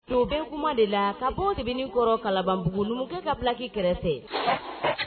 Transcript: ka bɔ sebenikɔrɔ kalabanbugu numukɛ ka pilaki kɛrɛfɛ.